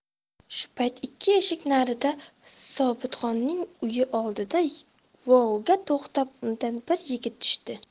shu payt ikki eshik narida sobitxonning uyi oldida volga to'xtab undan bir yigit tushdi